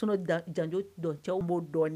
Janjo dɔn cɛw b'o dɔn